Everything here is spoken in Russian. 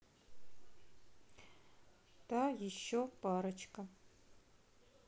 та еще парочка